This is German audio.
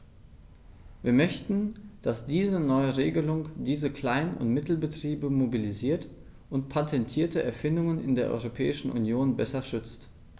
Wir möchten, dass diese neue Regelung diese Klein- und Mittelbetriebe mobilisiert und patentierte Erfindungen in der Europäischen Union besser schützt.